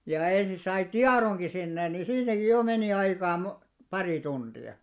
ja ensin sai tiedonkin sinne niin siitäkin jo meni aikaa - pari tuntia